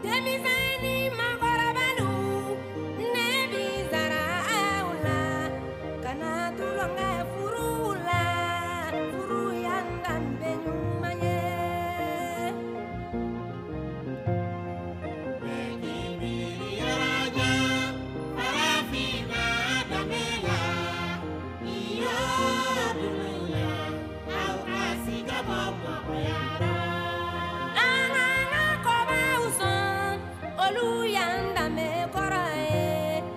Densonin makɔrɔ bɛdo neyara la ka na tulonkɛ foro laya ka ɲuman ye saba la yo wa faamayara a kɔba sɔrɔ olu yan danbe kɔrɔ ye